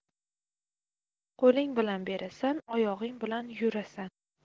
qo'ling bilan berasan oyog'ing bilan yurasan